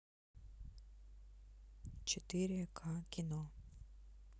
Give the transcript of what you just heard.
четыре ка кино